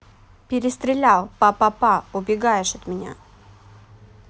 перестрелял па па па убегаешь от меня